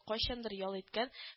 Кайчандыр ял иткән